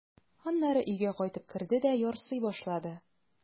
Аннары өйгә кайтып керде дә ярсый башлады.